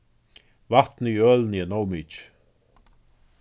vatnið í ølini er nóg mikið